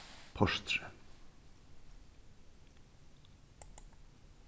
portrið